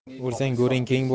o'lsang go'ring keng